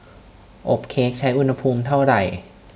อบเค้กใช้อุณหภูมิเท่าไหร่